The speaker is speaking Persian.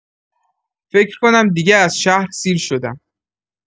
فکر کنم دیگه از شهر سیر شدم.